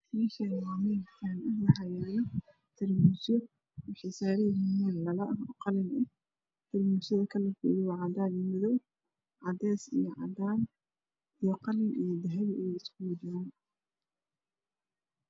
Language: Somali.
Meshan waa mel dukan ah waxayalo tarmuso waxey saran yahin mel dhalo ah oo qalin ah tarmusda waa cadan io madow Cades io cadan qalin io dahbi ayey iskuku jiran